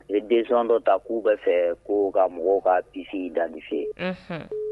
U ye den dɔ ta k'u bɛɛ fɛ ko ka mɔgɔw ka psi dannise ye